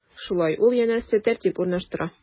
Шулай ул, янәсе, тәртип урнаштыра.